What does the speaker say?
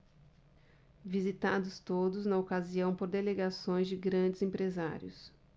visitados todos na ocasião por delegações de grandes empresários